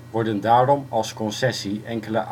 worden daarom als concessie enkele